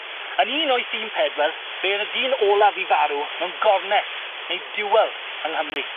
Yn un o'i thîm pedwar, fe o'dd y dyn olaf i farw mewn gornest, neu duel, yng Nghymru.